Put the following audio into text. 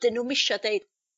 'Dyn nw'm isio deud